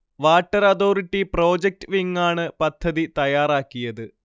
water authority project വിങാണ് പദ്ധതി തയ്യാറാക്കിയത്